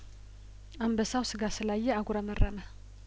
አንበሳው ስጋ ስላ የአጉረመረ መ